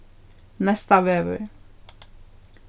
neystavegur